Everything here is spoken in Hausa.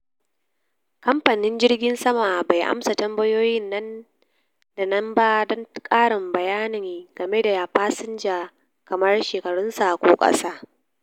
Kamfanin jirgin sama bai amsa tambayoyin nan da nan ba don ƙarin bayani game da fasinja, kamar shekarunsa ko kasa